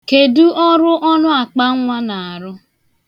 Kedu ọrụ ọnụakpannwa na-arụ?